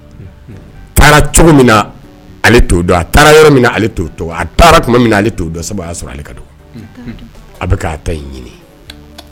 A taara cogo min na ale t'o dɔn, a taara yɔrɔ min na ale t'o dɔn, a taara tuma min na ale t'o dɔn sabu o y'a sɔrɔ ale ka dɔgɔn a bɛ k'a ta in ɲini